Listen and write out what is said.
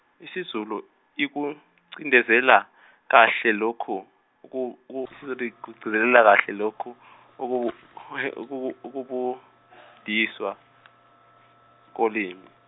isiZulu ikucindezela kahle loku uku- ukugcizelela kahle loku uku- uku- ukufundiswa kolimi.